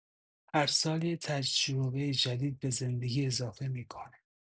هر سال یه تجربه جدید به زندگی اضافه می‌کنه.